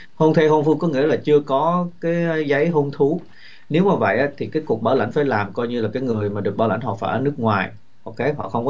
hôn thê hôn phu có nghĩa là chưa có cái giấy hôn thú nếu mà vậy thì kết cục bảo lãnh phải làm coi như là cái người mà được bảo lãnh hoặc phải ở nước ngoài con cái họ không